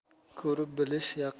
ko'rib bilish yaqinni